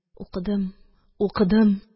Укыдым, укыдым